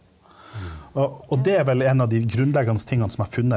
og og det er vel en av de grunnleggende tingene som jeg har funnet.